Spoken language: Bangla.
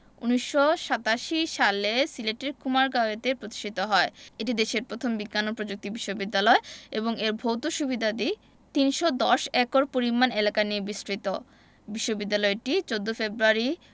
১৯৮৭ সালে সিলেটের কুমারগাঁওতে প্রতিষ্ঠিত হয় এটি দেশের প্রথম বিজ্ঞান ও প্রযুক্তি বিশ্ববিদ্যালয় এবং এর ভৌত সুবিধাদি ৩১০ একর পরিমাণ এলাকা নিয়ে বিস্তৃত বিশ্ববিদ্যালয়টি ১৪ ফেব্রুয়ারি